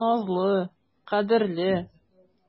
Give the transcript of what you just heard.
Назлы, кадерле.